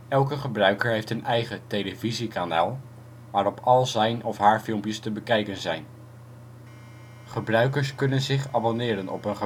Elke gebruiker heeft een eigen " televisiekanaal ", waarop al zijn filmpjes te bekijken zijn. Gebruikers kunnen zich abonneren op een gebruiker